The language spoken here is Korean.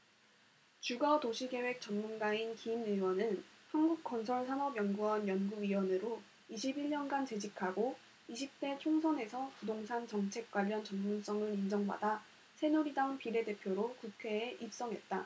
주거 도시계획 전문가인 김 의원은 한국건설산업연구원 연구위원으로 이십 일 년간 재직하고 이십 대 총선에서 부동산 정책 관련 전문성을 인정받아 새누리당 비례대표로 국회에 입성했다